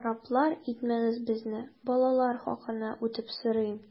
Хараплар итмәгез безне, балалар хакына үтенеп сорыйм!